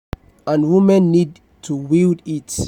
And Women Need to Wield It.